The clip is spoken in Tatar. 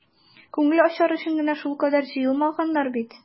Күңел ачар өчен генә шулкадәр җыелмаганнар бит.